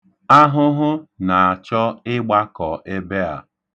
Ahụhụ na-achọ ịgbakọ ebe a.